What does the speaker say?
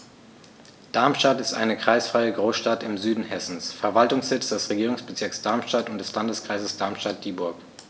Darmstadt ist eine kreisfreie Großstadt im Süden Hessens, Verwaltungssitz des Regierungsbezirks Darmstadt und des Landkreises Darmstadt-Dieburg.